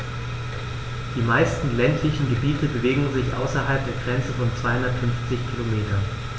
Die meisten ländlichen Gebiete bewegen sich außerhalb der Grenze von 250 Kilometern.